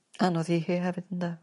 Anodd i hi hefyd ynde?